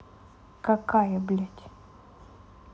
какая блядь